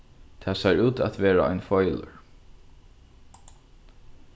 tað sær út at vera ein feilur